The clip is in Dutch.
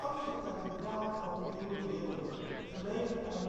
oudste kathedraal van de Nieuwe Wereld, gelegen aan